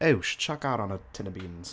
chuck that on a tin o beans.